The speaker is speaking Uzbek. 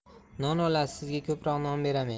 non olasiz sizga ko'proq non beramen